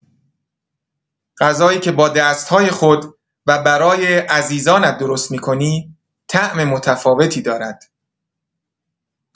غذایی که با دست‌های خود و برای عزیزانت درست می‌کنی، طعم متفاوتی دارد؛